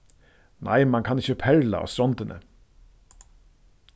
nei mann kann ikki perla á strondini